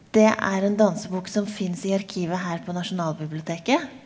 det er en dansebok som fins i arkivet her på Nasjonalbiblioteket.